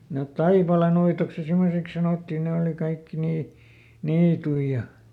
ne Taipaleenuitoksi ja semmoiseksi sanottiin ne oli kaikki niin niittyjä ja